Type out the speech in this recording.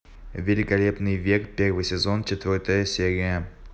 великолепный век первый сезон четвертая серия